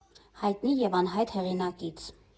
Հայտնի և անհայտ հեղինակից։